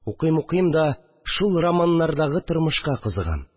Укыйм-укыйм да, шул романнардагы тормышка кызыгам